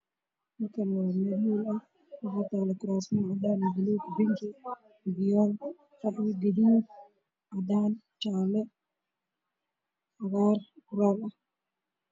Wa meel hool ah waxaa yaalo kuraas cadaan iyo guduud ah